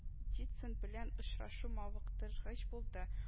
Дицын белән очрашу мавыктыргыч булды